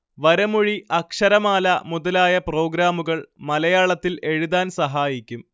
വരമൊഴി അക്ഷരമാല മുതലായ പ്രോഗ്രാമുകൾ മലയാളത്തിൽ എഴുതാൻ സഹായിക്കും